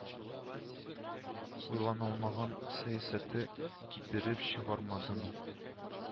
Уйланылмаган сәясәте китереп чыгармадымы